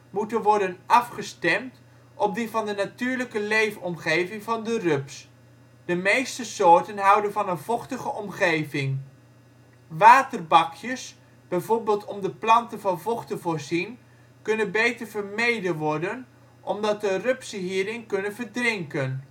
moeten worden afgestemd op die van de natuurlijke leefomgeving van de rups, de meeste soorten houden van een vochtige omgeving. Waterbakjes, bijvoorbeeld om de planten van vocht te voorzien, kunnen beter vermeden worden omdat de rupsen hierin kunnen verdrinken